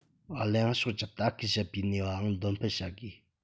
གླེང ཕྱོགས ཀྱིས ལྟ སྐུལ བྱེད པའི ནུས པའང འདོན སྤེལ བྱ དགོས